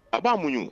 A b'a munɲ